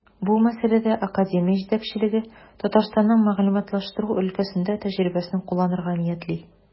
Бу мәсьәләдә академия җитәкчелеге Татарстанның мәгълүматлаштыру өлкәсендә тәҗрибәсен кулланырга ниятли.